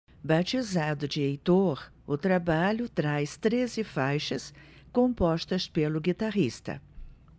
batizado de heitor o trabalho traz treze faixas compostas pelo guitarrista